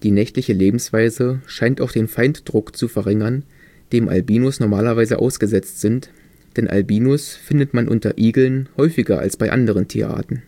nächtliche Lebensweise scheint auch den Feinddruck zu verringern, dem Albinos normalerweise ausgesetzt sind, denn Albinos findet man unter Igeln häufiger als bei anderen Tierarten